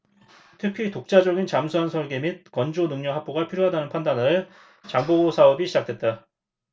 특히 독자적인 잠수함 설계 및 건조 능력 확보가 필요하다는 판단아래 장보고 사업이 시작됐다